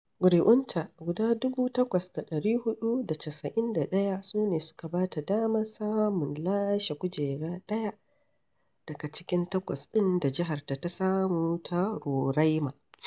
ƙuri'unta guda 8,491 su ne suka ba ta damar samun lashe kujera ɗaya daga cikin takwas ɗin da jiharta ta samu ta Roraima.